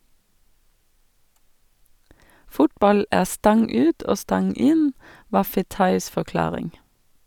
Fotball er stang ut og stang inn, var Fetais forklaring.